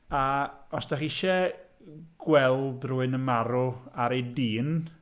A os dach chi isie gweld rhywun yn marw ar ei dîn...